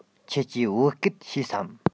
ཁྱེད ཀྱིས བོད སྐད ཤེས སམ